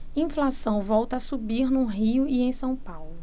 inflação volta a subir no rio e em são paulo